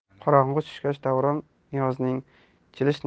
qorong'i tushgach davron niyozning jilish